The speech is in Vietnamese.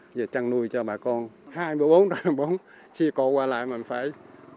việc chăn nuôi cho bà con hai mươi bốn tháng bốn chỉ có qua lại mình phải